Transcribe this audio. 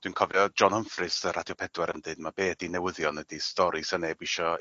dwi'n cofio John Humphries ar radio pedwar yn deud ma' be 'ydi newyddion ydi stori sa neb isio